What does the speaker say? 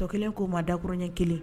Jɔ kelen koo maa dak ɲɛ kelen